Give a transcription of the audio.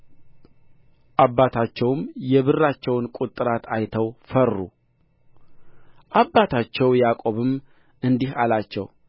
አባታቸውም የብራቸውን ቍጥራት አይተው ፈሩ አባታቸው ያዕቆብም እንዲህ አላቸው